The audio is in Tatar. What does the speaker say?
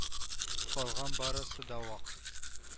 Калган барысы да вак